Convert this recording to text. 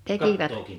tekivät